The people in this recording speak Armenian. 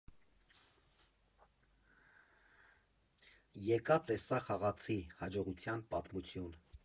ԵԿԱ ՏԵՍԱ ԽԱՂԱՑԻ Հաջողության պատմություն։